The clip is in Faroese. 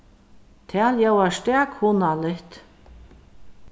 tað ljóðar stak hugnaligt